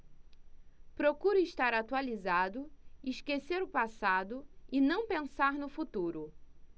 procuro estar atualizado esquecer o passado e não pensar no futuro